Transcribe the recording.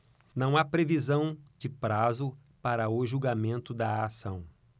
não há previsão de prazo para o julgamento da ação